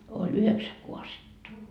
oli yhdeksän kaasetta